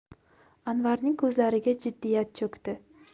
anvarning ko'zlariga jiddiyat cho'kdi